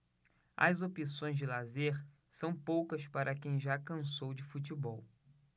as opções de lazer são poucas para quem já cansou de futebol